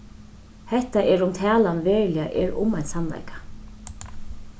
hetta er um talan veruliga er um ein sannleika